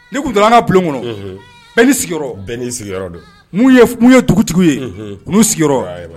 Ni kun bulon kɔnɔ ni sigiyɔrɔ sigiyɔrɔu ye dugutigi ye n'u sigiyɔrɔ